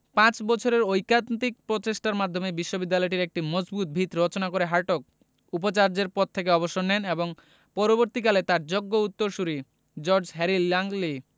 পাঁচ বছরের ঐকান্তিক প্রচেষ্টার মাধ্যমে বিশ্ববিদ্যালয়টির একটি মজবুত ভিত রচনা করে হার্টগ উপাচার্যের পদ থেকে অবসর নেন এবং পরবর্তীকালে তাঁর যোগ্য উত্তরসূরি জর্জ হ্যারি ল্যাংলি